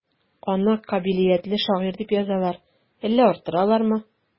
Аны кабилиятле шагыйрь дип язалар, әллә арттыралармы?